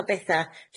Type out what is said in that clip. o betha,